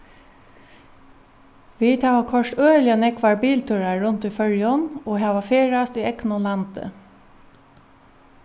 vit hava koyrt øgiliga nógvar biltúrar runt í føroyum og hava ferðast í egnum landi